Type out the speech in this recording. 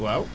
waaw